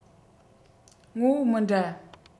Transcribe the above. ངོ བོ མི འདྲ